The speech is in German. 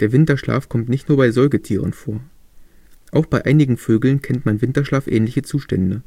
Der Winterschlaf kommt nicht nur bei Säugetieren vor. Auch bei einigen Vögeln kennt man winterschlafähnliche Zustände.